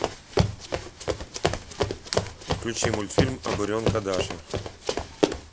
включи мультфильм о буренка даша